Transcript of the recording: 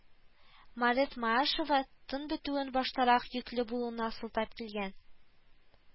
Марет Маашева тын бетүен баштарак йөкле булуына сылтап килгән